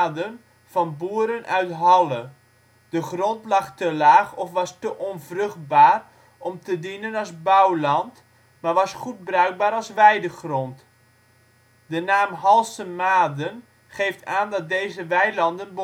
Maeden van boeren uit Halle. De grond lag te laag of was te onvruchtbaar om te dienen als bouwland, maar was goed bruikbaar als weidegrond. De naam Halsse maeden geeft aan dat deze weilanden